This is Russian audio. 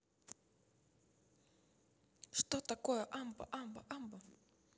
что такое амба амба амба